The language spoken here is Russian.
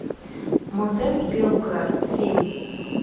мотель белград фильм